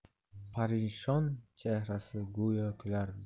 parishon chehrasi go'yo kulardi